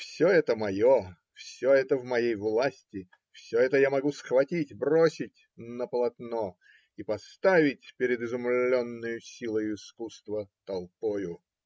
Все это мое, все это в моей власти, все это я могу схватить, бросить на полотно и поставить перед изумленною силою искусства толпою.